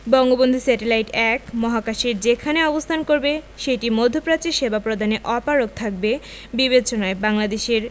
Bangabandhu satellite ১ মহাকাশের যেখানে অবস্থান করবে সেটি মধ্যপ্রাচ্যে সেবা প্রদানে অপারগ থাকবে বিবেচনায় বাংলাদেশের